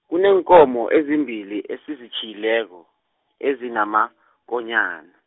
kuneenkomo ezimbili esizitjhiyileko, ezinamakonyana.